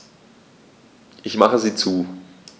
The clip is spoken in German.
Ich mache sie zu.